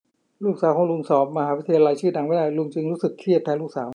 ลูกสาวของลุงสอบมหาวิทยาลัยชื่อดังไม่ได้ลุงจึงรู้สึกเครียดแทนลูกสาว